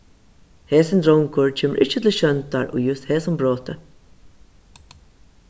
hesin drongur kemur ikki til sjóndar í júst hesum broti